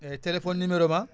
téléphone numéro